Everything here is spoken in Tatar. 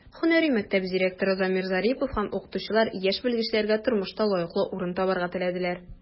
Һөнәри мәктәп директоры Замир Зарипов һәм укытучылар яшь белгечләргә тормышта лаеклы урын табарга теләделәр.